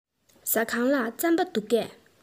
ཟ ཁང ལ རྩམ པ འདུག གས